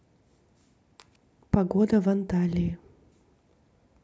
погода в анталии